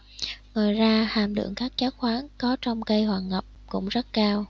ngoài ra hàm lượng các chất khoáng có trong cây hoàn ngọc cũng rất cao